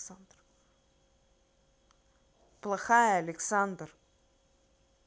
плохая александр